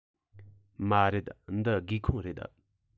མ རེད འདི སྒེའུ ཁུང རེད